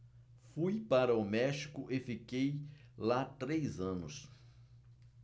fui para o méxico e fiquei lá três anos